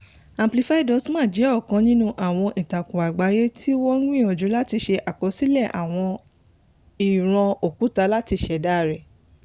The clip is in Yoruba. Amplify.ma jẹ́ ọ̀kan nínú àwọn ìtakùn àgbáyé tí wọ́n ti ń gbìyànjú láti ṣe àkọsílẹ̀ àwọn ìran òkúta láti ìṣẹ̀dá rẹ̀.